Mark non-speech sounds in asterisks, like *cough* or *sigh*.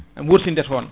*hesitation* wurtinde ton